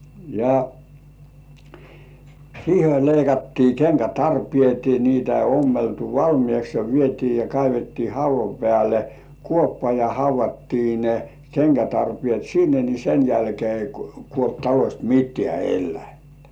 ja siihen oli leikattiin kenkätarpeet niitä ei ommeltu valmiiksi ja vietiin ja kaivettiin haudan päälle kuoppa ja haudattiin ne kenkätarpeet sinne niin sen jälkeen ei kuollut talosta mitään eläintä